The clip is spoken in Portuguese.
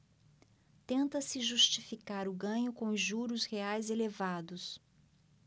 tenta-se justificar o ganho com os juros reais elevados